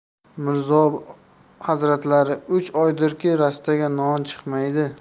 mirzo hazratlari uch oydirki rastaga non chiqmaydi